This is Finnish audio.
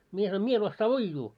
minä sanoin minä en osaa uida